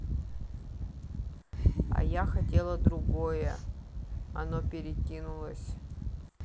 а я хотела другое оно перекинулось